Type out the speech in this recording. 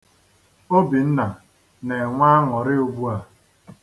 Obinna na-enwe aṅụrị ugbua.